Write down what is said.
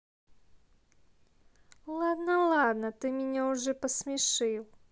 ладно ладно ты уже меня посмешил